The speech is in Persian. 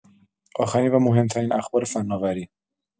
آخرین و مهمترین اخبار فناوری